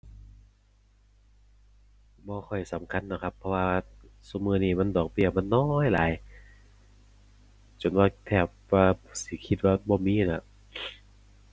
บ่ค่อยสำคัญดอกครับ เพราะว่าซุมื้อนี้มันดอกเบี้ยมันน้อยหลาย จนว่าแทบว่าสิคิดว่าบ่มีล่ะครับ